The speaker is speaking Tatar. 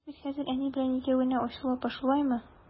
Без бит хәзер әни белән икәү генә, Айсылу апа, шулаймы?